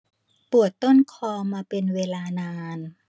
ปวดต้นคอมาเป็นเวลานาน